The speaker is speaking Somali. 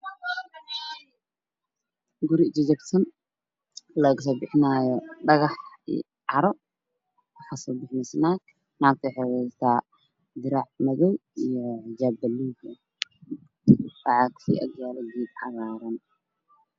Guri jackson laga soo bixinaayo carro naag ayaa kasoo bixineyso wadata shi raxmado ah ku abuulow ah